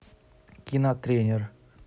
кино тренер